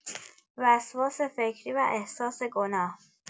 وسواس فکری و احساس گناه